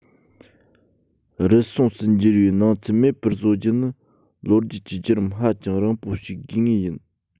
རུལ སུངས སུ འགྱུར བའི སྣང ཚུལ མེད པར བཟོ རྒྱུ ནི ལོ རྒྱུས ཀྱི བརྒྱུད རིམ ཧ ཅང རིང པོ ཞིག དགོས ངེས ཡིན